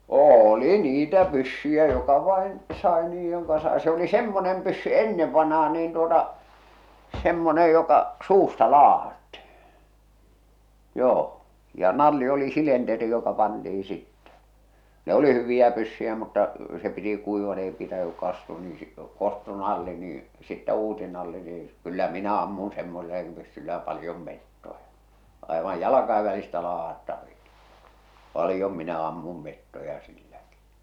oli niitä pyssyjä joka vain sai niin joka sai se oli semmoinen pyssy ennen vanhaan niin tuota semmoinen joka suusta ladattiin joo ja nalli oli silenteri joka pantiin sitten ne oli hyviä pyssyjä mutta se piti kuivat ei pitänyt kastua niin - kostui nalli niin sitten uusi nalli niin ei - kyllä minä ammuin semmoisella pyssyllä paljon metsoja aivan jalkojen välistä ladattavia paljon minä ammun metsoja silläkin